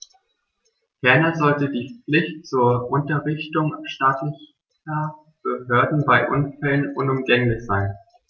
Ferner sollte die Pflicht zur Unterrichtung staatlicher Behörden bei Unfällen unumgänglich sein.